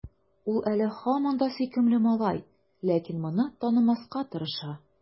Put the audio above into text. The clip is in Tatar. Ул әле һаман да сөйкемле малай, ләкин моны танымаска тырыша.